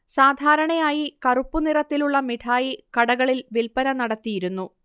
സാധാരണയായി കറുപ്പു നിറത്തിലുള്ള മിഠായി കടകളിൽ വിൽപ്പന നടത്തിയിരുന്നു